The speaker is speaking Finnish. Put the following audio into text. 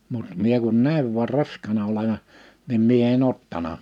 mutta minä kun näin vain raskaana olevan niin minä en ottanut